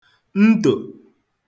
ntò [slang]